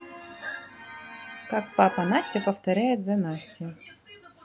как папа настя повторяет за настей